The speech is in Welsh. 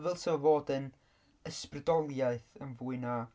Ddylsa fo fod yn ysbrydoliaeth yn fwy na...